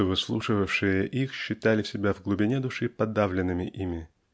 что выслушивавшие их считали себя в глубине души подавленными ими.